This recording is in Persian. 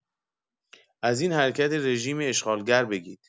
از این حرکت رژیم اشغالگر بگید